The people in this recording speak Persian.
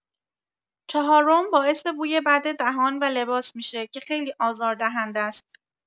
چهارم، باعث بوی بد دهان و لباس می‌شه که خیلی آزاردهنده ست.